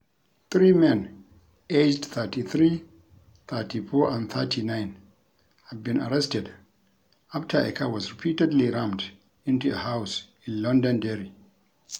Three men, aged 33, 34 and 39, have been arrested after a car was repeatedly rammed into a house in Londonderry.